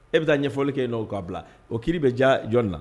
E bɛ taa ɲɛfɔli kɛ in' o k'a bila o kiri bɛ ja jɔnni na